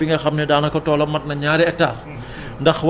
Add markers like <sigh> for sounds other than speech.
<hesitation> <hesitation> kon danaa dana baax foofu ñu taxaw fa tuuti